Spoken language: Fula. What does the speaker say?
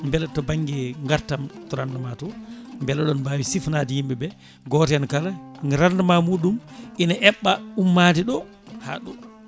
beele to banggue gartam to rendement to beele oɗon mbawi sifanade yimɓeɓe goto hen kala rendement muɗum ina hebɓa ummade ɗo ha ɗo